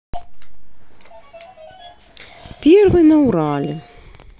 первый на урале